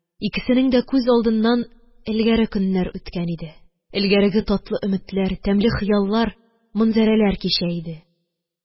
Икесенең дә күз алдыннан элгәреге көннәр үтә иде. элгәреге татлы өметләр, тәмле хыяллар, манзарәләр кичә иде